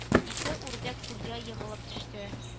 Ике үрдәк күлгә егылып төште